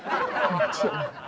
một triệu à